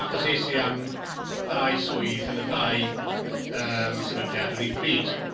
Achos es i am ddau swydd yn y ddau yym sefydliad yr un pryd.